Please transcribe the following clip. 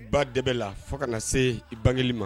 Unh ba dɛbɛ la fo ka na se i bangeli ma